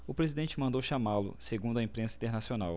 o presidente mandou chamá-lo segundo a imprensa internacional